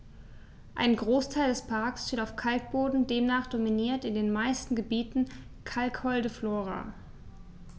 Ein Großteil des Parks steht auf Kalkboden, demnach dominiert in den meisten Gebieten kalkholde Flora.